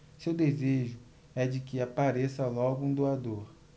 seu desejo é de que apareça logo um doador